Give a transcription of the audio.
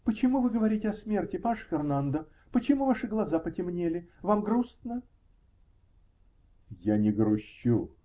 -- Почему вы говорите о смерти, паж Фернандо? Почему ваши глаза потемнели? Вам грустно? -- Я не грущу.